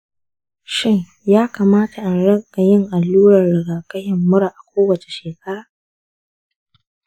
shin ya kamata in riƙa yin allurar riga-kafin mura a kowace shekara?